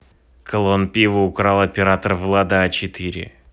клон пиво украл оператор влада а четыре